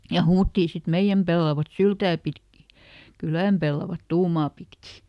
ja huudettiin sitten meidän pellavat syliä pitkin kylän pellavat tuumaa pitkin